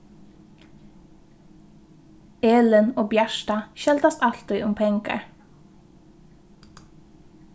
elin og bjarta skeldast altíð um pengar